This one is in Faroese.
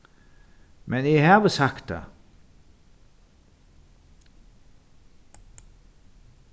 men eg havi sagt tað